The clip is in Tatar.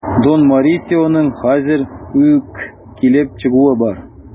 Дон Морисионың хәзер үк килеп чыгуы бар.